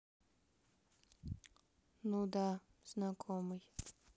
ну да знакомый